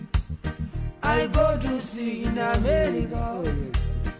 A ko dun sigi bɛkaw